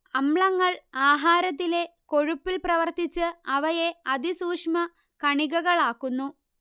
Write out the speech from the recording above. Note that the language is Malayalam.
അമ്ലങ്ങൾ ആഹാരത്തിലെ കൊഴുപ്പിൽ പ്രവർത്തിച്ച് അവയെ അതിസൂക്ഷ്മകണികകളാക്കുന്നു